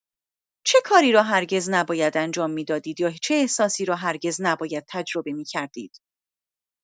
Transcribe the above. چه کاری را هرگز نباید انجام می‌دادید یا چه احساسی را هرگز نباید تجربه می‌کردید؟